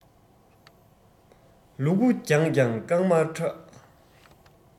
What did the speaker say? ལུ གུ རྒྱགས ཀྱང རྐང མར ཁྲག